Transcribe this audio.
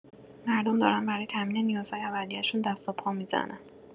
مردم دارن برای تامین نیازهای اولیه‌شون دست و پا می‌زنن.